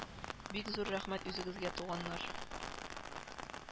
Бик зур рәхмәт үзегезгә, туганнар